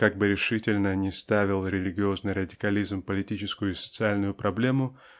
как бы решительно ни ставил религиозный радикализм политическую и социальную проблему